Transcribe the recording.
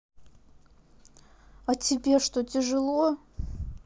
а тебе что тяжело